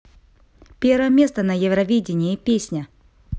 первое место на евровидении песня